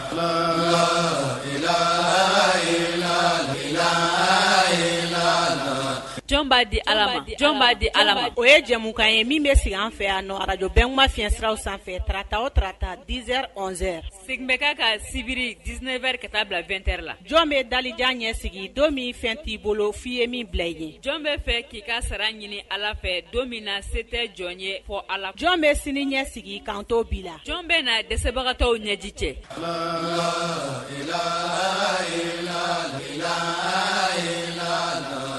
Di di ala o ye jamumukan ye min bɛ sigi an fɛ yanj bɛɛ ma fiɲɛyɛnsiraw sanfɛ tata o tata diz segin bɛ ka ka sibiri dsinɛ wɛrɛ ka taa bila2t la jɔn bɛ dajan ɲɛ sigi don min fɛn t'i bolo f'i ye min bila i ye jɔn bɛ fɛ k' ii ka sara ɲini ala fɛ don min na se tɛ jɔn ye fɔ a jɔn bɛ sini ɲɛ sigi kan tɔw bi la jɔn bɛ na dɛsɛbagatɔw ɲɛji cɛ